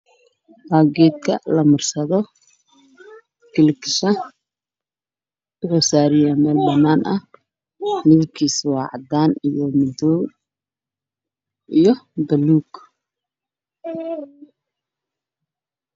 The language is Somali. Waa geedka la marsado